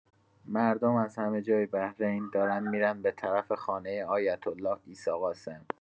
مردم از همه‌جای بحرین دارن می‌رن به‌طرف خانه آیت‌الله عیسی قاسم!